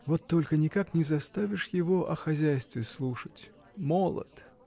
Вот только никак не заставишь его о хозяйстве слушать: молод!